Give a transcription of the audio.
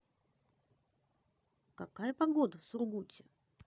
какая погода в сургуте